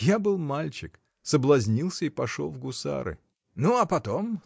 Я был мальчик, соблазнился и пошел в гусары. — Ну а потом?